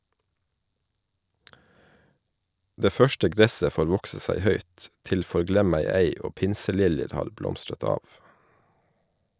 Det første gresset får vokse seg høyt, til forglemmegei og pinseliljer har blomstret av.